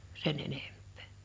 sen enempää